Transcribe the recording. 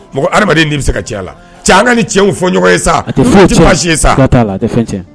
Adamaden de bɛ se ka cɛ la cɛ an ka ni cɛ fɔ ɲɔgɔn ye sa si sa